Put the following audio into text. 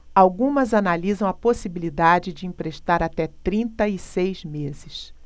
algumas analisam a possibilidade de emprestar até trinta e seis meses